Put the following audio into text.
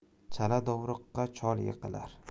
chala dovruqqa chol yiqilar